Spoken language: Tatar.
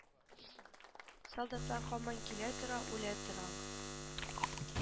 Солдатлар һаман килә тора үлә тора